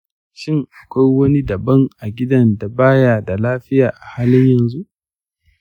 shin akwai wani daban a gidan da baya da lafiya a halin yanzu?